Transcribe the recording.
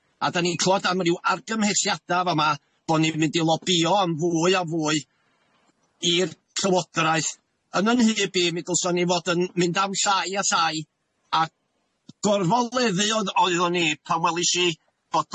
A da ni'n clwad am ryw argymhelliada' yn fa' 'ma bo' ni'n mynd i lobïo am fwy a fwy i'r Llywodraeth yn yn nhyb i mi ddylswn i fod yn mynd am llai a llai, a gorfoleddu oedd- oeddwn i pan welish i bod